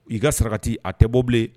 I ka sarakati a tɛ bɔ bilen